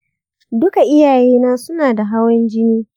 duka iyayena suna da hawan jini.